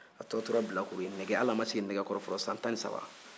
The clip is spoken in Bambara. a tɔ tora bilakoro ye hali a ma siginɛgɛkɔrɔ fɔlɔ san tan ni saba